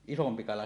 isompi kala